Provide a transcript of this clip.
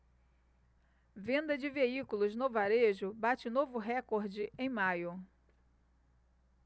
venda de veículos no varejo bate novo recorde em maio